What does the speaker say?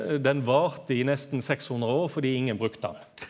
den varte i nesten 600 år fordi ingen brukte han.